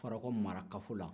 farako marakafo la